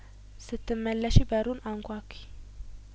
ስትመለሺ በሩን አንኳኲ